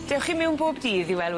Dewch chi mewn bob dydd i wel'...